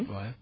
oui